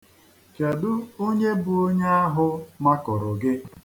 Kedu onye bụ onye ahụ makụrụ gị?